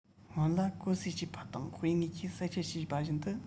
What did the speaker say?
སྔོན ལ གོ གསེད བྱས པ དང དཔེ དངོས ཀྱིས གསལ བཤད བྱས པ བཞིན དུ